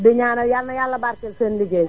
di ñaanal yal na Yàlla barkeel seen ligéey